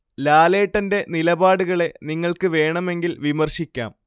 ലാലേട്ടന്റെ നിലപാടുകളെ നിങ്ങൾക്ക് വേണമെങ്കിൽ വിമർശിക്കാം